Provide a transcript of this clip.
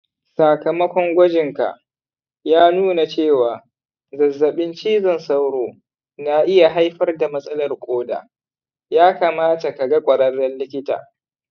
sakamakon gwajin ka ya nuna cewa zazzaɓin cizon sauro na iya haifar da matsalar koda, ya kamata ka ga ƙwararren likita.